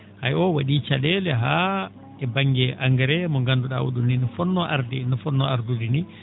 hay o wa?ii ca?eele haa e ba??e engrais mo ngandu?aa o?oni no fotnoo arde no fotnoo ardude ni